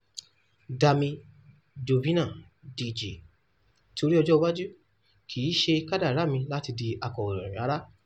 Damy Govina (DG): Torí ọjọ́ iwájú, kìí ṣe kádàrá mi láti di akọ̀ròyìn rárá.